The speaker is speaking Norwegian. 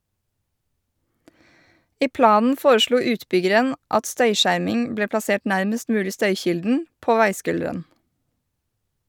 I planen foreslo utbyggeren at støyskjerming ble plassert nærmest mulig støykilden, på veiskulderen.